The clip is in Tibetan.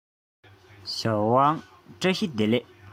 ཞའོ ཝང ལགས བཀྲ ཤིས བདེ ལེགས